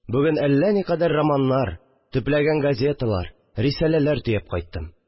Бүген әллә никадәр романнар, төпләгән гәзитәләр, рисаләләр төяп кайттым